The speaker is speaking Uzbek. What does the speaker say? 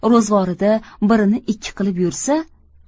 ro'zg'orida birini ikki qilib yursa